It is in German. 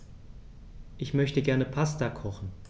Ich möchte gerne Pasta kochen.